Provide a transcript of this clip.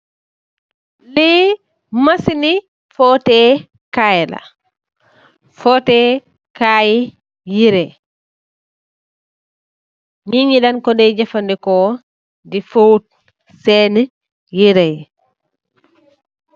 Li masin ni fotèè Kai la , fotèè Kai yireh, nit ñi dañ Koy jafandiko di fót sèèni yirèh yi.